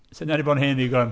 'Sa hynna 'di bod yn hen ddigon.